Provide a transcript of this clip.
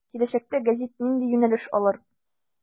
Киләчәктә гәзит нинди юнәлеш алыр.